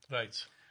Reit.